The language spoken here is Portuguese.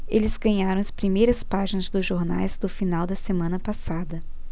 eles ganharam as primeiras páginas dos jornais do final da semana passada